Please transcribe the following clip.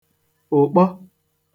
ụ̀kpọ